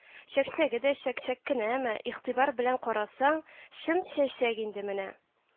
Чәкчәге дә чәкчәк кенәме, игътибар белән карасаң, чын чәчәк инде менә